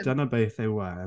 Dyna beth yw e.